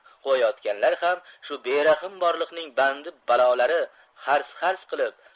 quvayotganlar ham shu berahm borliqning bandi balolari hars hars qilib